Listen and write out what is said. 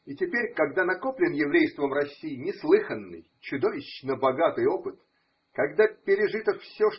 И теперь, когда накоплен еврейством России неслыханный, чудовищно-богатый опыт. когда пережито все.